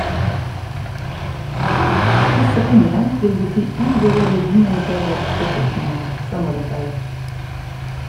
Disse pengene vil bety uvurderlig humanitær hjelp til flyktningene , sa Mollekleiv.